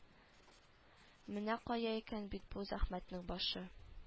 Менә кая икән бит бу зәхмәтнең башы